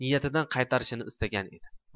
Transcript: niyatidan qaytarishini istagan edi